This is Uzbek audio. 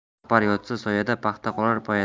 rahbar yotsa soyada paxta qolar poyada